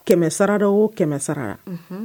Kɛmɛ sarada o kɛmɛ sarala.